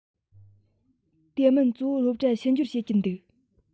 དེ མིན གཙོ བོ སློབ གྲྭར ཕྱི འབྱོར བྱེད ཀྱིན འདུག